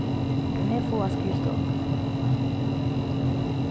kann eg fáa skrivstovuna